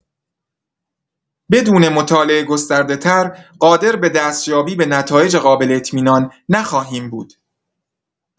بدون مطالعه گسترده‌‌تر، قادر به دستیابی به نتایج قابل‌اطمینان نخواهیم بود.